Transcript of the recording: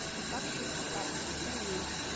— китап шул, китап,— дидем мин